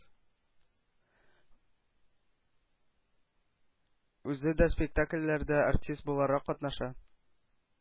Үзе да спектакльләрдә артист буларак катнаша.